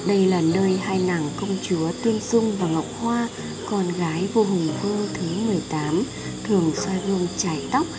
đây là nơi nàng công chúa tiên dung và ngọc hoa con gái vua hùng vương thứ thường soi gương chải tóc